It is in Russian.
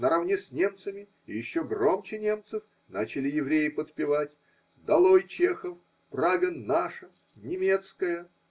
наравне с немцами и еще громче немцев начали евреи подпевать: долой чехов! Прага наша, немецкая!